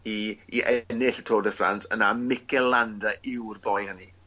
i i ennill y Tour de France yna Mikel Landa yw'r boi hynny.